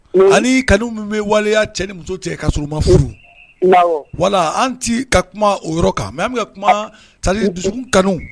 Hali kanu mun bɛ waleya cɛ ni muso cɛ ka sɔrɔ u ma furu Awɔ voilà an ti ka kuma o yɔrɔ kan. Mais anw bi ka kuma c'est ta dire dusukun kanu